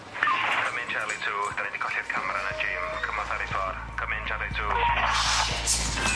Come in Charlie Two. 'Dan ni di colli'r camera yn y gym cymorth ar 'u ffor. Come in Charlie Two. Oh shit!